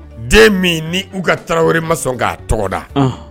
Den min ni Uga tarawele ma sɔn ka tɔgɔ da. Ɔnhɔn